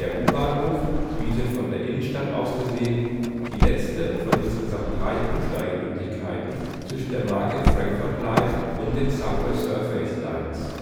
U-Bahnhof bietet von der Innenstadt aus gesehen die letzte von insgesamt drei Umsteigemöglichkeiten zwischen der Market – Frankford Line und den Subway – Surface Lines